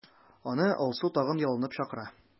Аны Алсу тагын ялынып чакыра.